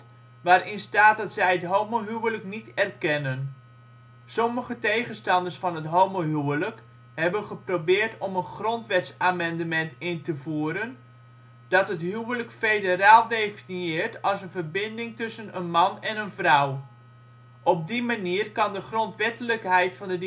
staat dat zij het homohuwelijk niet erkennen. Sommige tegenstanders van het homohuwelijk hebben geprobeerd om een grondwetsamendement in te voeren, dat het huwelijk federaal definieert als een verbinding tussen een man en een vrouw. Op die manier kan de grondwettelijkheid van de